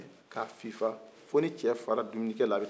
ka fifa fo ni cɛ fara dumuni kɛ la